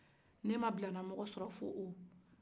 ni e ma bilala mɔgɔ sɔrɔ fɔ o